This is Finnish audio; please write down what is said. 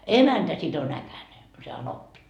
emäntä sitten on äkäinen se anoppi